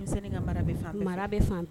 Denmisɛnnin ka mara bi fan bɛɛ fɛ . Mara bi fan